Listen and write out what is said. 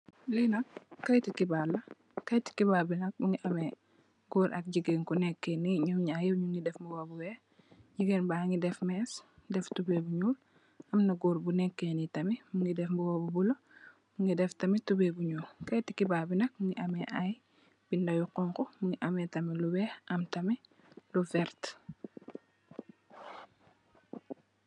Lee nak keyete kebarr la keyete kebarr be nak muge ameh goor ak jegain ku neke nee num nyarr yep nuge def muba bu weex jegain bage def mess def tubaye bu nuul amna goor bu neke nee tamin muge def muba bu bulo muge def tamin tubaye bu nuul keyete kebarr be nak muge ameh aye beda yu xonxo muge ameh tamin lu weex am tamin lu verte.